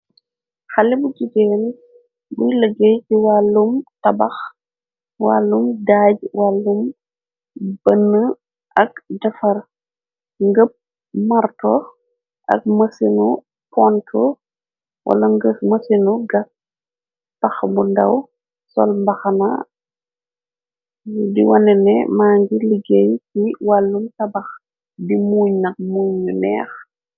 xale bu jigeen buy lëggéey ci wàllum tabax wàllum daaj wàllum bënn ak jafar ngëp marto ak mësenu ponto wala ngë mësenu ga pax bu ndaw sol mbaxana di wanene ma ngi liggéey ci wàllum tabax bi muuñ nak muy nu neex.